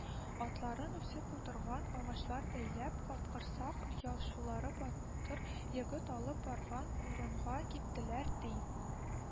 Атларын үсеп утырган агачлар бәйләп, Капкорсак ялчылары батыр егет алып барган урынга киттеләр, ди